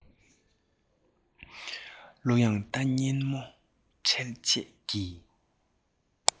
གླུའི དབྱངས རྟ སྙན མོས འཕྲུལ ཆས ཀྱི